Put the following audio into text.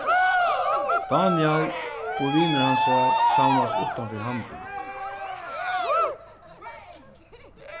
dánjal og vinir hansara savnaðust uttan fyri handilin